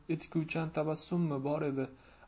entikuvchan tabassummi bor edi